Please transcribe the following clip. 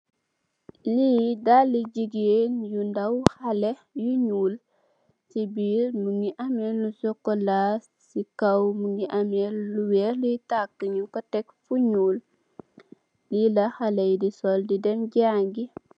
Li dalli njegen nyu daw haleh yu nyul so birr mugi ameh lu sokola si kaw mugi ameh lu wheh lui tarka nyung ko tekk fu nyul li la haleh yi di sol di jangi.